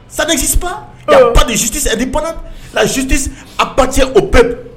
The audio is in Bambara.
Sansip ni su tɛ ni bɔn su tɛ a ba cɛ o bɛɛ